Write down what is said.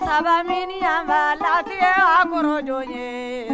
sabaminiyanba latigɛ ka kɔrɔ jɔn ye